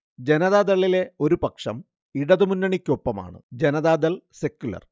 ജനതാദളിലെ ഒരു പക്ഷം ഇടതു മുന്നണിക്കൊപ്പമാണ് ജനതാദൾ സെക്യുലർ